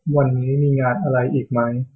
วันนี้มีงานอะไรอีกไหม